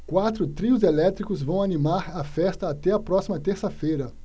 quatro trios elétricos vão animar a festa até a próxima terça-feira